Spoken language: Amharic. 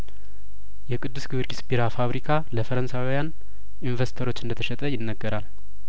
የቅዱስ ጊዮርጊስ ቢራ ፋብሪካ ለፈረንሳዊያን ኢንቬስተ ሮች እንደተሸጠ ይነገራል